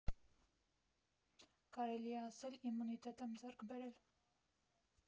Կարելի է ասել իմունիտետ եմ ձեռք բերել։